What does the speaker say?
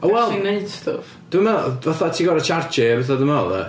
Wel... Os ti'n wneud stwff... dwi'n meddwl fatha ti gorfod tsiarjo hi a pethau dwi'n meddwl ia.